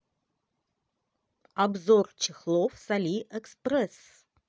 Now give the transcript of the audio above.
обзор чехлов с алиэкспресс